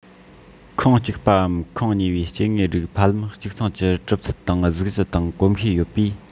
ཁོངས གཅིག པའམ ཁོངས ཉེ བའི སྐྱེ དངོས རིགས ཕལ ལམ གཅིག མཚུངས ཀྱི གྲུབ ཚུལ དང གཟུགས གཞི དང གོམས གཤིས ཡོད པས